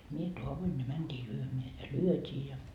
minä taoin ja mentiin lyömään ja lyötiin ja